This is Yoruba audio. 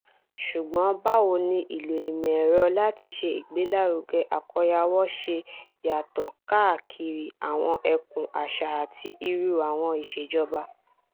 Ṣùgbọ́n báwo ni ìlò ìmọ̀-ẹ̀rọ láti ṣe ìgbélárugẹ àkóyawọ́ ṣe yàtọ̀ káàkiri àwọn ẹkùn, àṣà, àti irú àwọn ìṣèjọba?